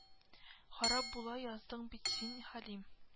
Харап була яздың бит син хәлим